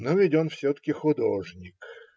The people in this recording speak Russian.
Но ведь он все-таки - художник.